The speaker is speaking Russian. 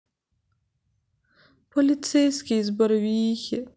полицейский из барвихи